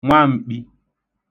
nwam̄kpị̄